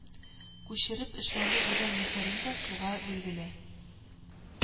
Күчереп эшләнде дигән мөһерен дә суга, билгеле